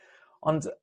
Ond